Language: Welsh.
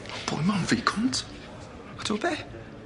fi cont. A t'wod be'?